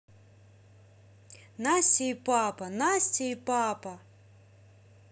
настя и папа настя и папа